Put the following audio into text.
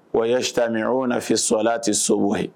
Wacta o nafin sola tɛ so bɔ ye